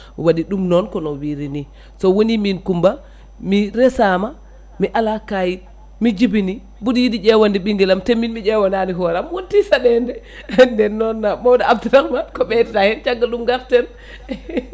waɗi ɗum noon kono wiiri ni so woni min Coumba mi resama mi ala kayit mi jibini mboɗo yiiɗi ƴewande te min mi yewanani hooram wonti saɗede nden oon mawɗo Abdurahmane ko ɓeydata hen caggal ɗum garten